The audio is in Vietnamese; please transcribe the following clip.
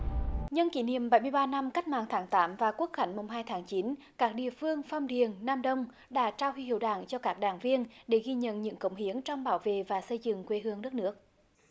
nhân kỷ niệm bảy mươi ba năm cách mạng tháng tám và quốc khánh mùng hai tháng chín các địa phương phong điền nam đông đã trao huy hiệu đảng cho các đảng viên để ghi nhận những cống hiến trong bảo vệ và xây dựng quê hương đất nước